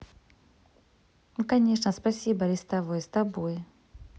ну конечно спасибо листовой с тобой